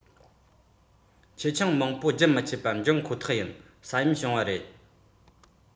ཆེ ཆུང མང པོ རྒྱུན མི ཆད པར འབྱུང ཁོ ཐག ཡིན ས ཡོམ བྱུང བ རེད